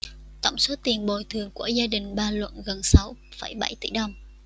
tổng số tiền bồi thường của gia đình bà luận gần sáu phẩy bảy tỉ đồng